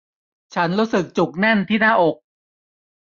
ฉันรู้สึกจุกแน่นที่หน้าอก